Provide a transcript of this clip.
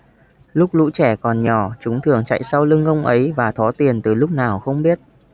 lúc lũ trẻ còn nhỏ chúng thường chạy sau lưng ông ấy và thó tiền từ lúc nào không biết